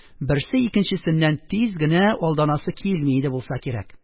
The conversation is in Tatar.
Берсе икенчесеннән тиз генә алданасы килми иде булса кирәк.